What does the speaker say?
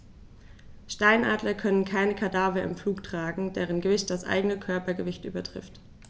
Steinadler können keine Kadaver im Flug tragen, deren Gewicht das eigene Körpergewicht übertrifft.